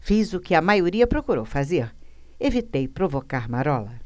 fiz o que a maioria procurou fazer evitei provocar marola